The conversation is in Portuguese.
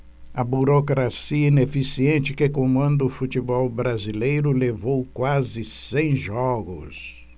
a burocracia ineficiente que comanda o futebol brasileiro levou quase cem jogos